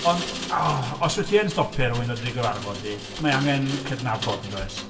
Ond os wyt ti yn stopio i rywun ddod i dy gyfarfod di, mae angen cydnabod, yn does?